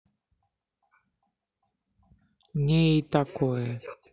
не и такое